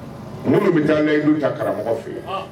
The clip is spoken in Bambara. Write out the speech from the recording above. Minnu bɛ taa n ne yen n'u ta karamɔgɔ fɛ yen